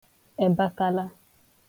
ẹ̀bakala